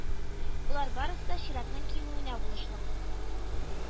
Болар барысы да чиратның кимүенә булышлык